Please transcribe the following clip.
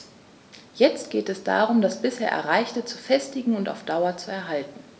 Jetzt geht es darum, das bisher Erreichte zu festigen und auf Dauer zu erhalten.